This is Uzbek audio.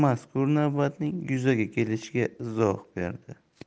navbatning yuzaga kelishiga izoh berdi